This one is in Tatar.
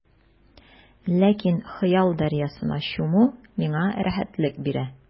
Ләкин хыял дәрьясына чуму миңа рәхәтлек бирә.